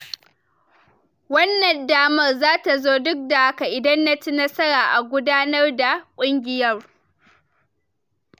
Wannan damar za ta zo, duk da haka, idan na ci nasara a gudanar da kungiyar."